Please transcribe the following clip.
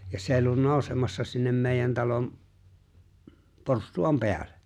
ja se ollut nousemassa sinne meidän talon porstuan päälle